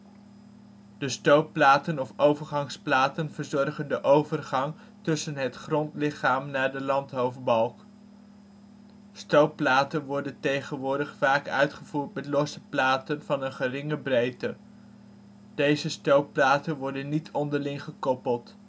stootplaten of overgangsplaten verzorgen de overgang tussen het grondlichaam naar de landhoofdbalk. Stootplaten worden tegenwoordig vaak uitgevoerd met losse platen van een geringe breedte. Deze stootplaten worden niet onderling gekoppeld